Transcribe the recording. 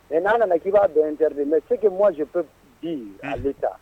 Mais n'a nana k'i b'a bɛɛ interdit, mais ce que moi je peut dire à l'État